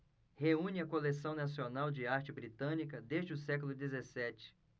reúne a coleção nacional de arte britânica desde o século dezessete